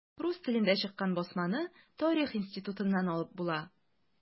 Рус телендә чыккан басманы Тарих институтыннан алып була.